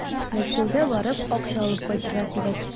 Мәскәүгә барып, акча алып кайтырга кирәк.